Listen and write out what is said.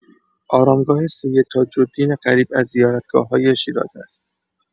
آرامگاه سید تاج‌الدین غریب از زیارتگاه‌های شیراز است.